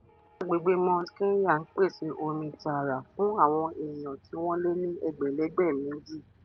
Agbègbè Mount Kenya ń pèsè omi tààrà fún àwọn èèyàn tí wọ́n lé ní ẹgbẹ̀lẹ́gbẹ̀ méjì.